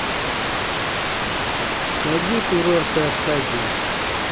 найди курорты абхазии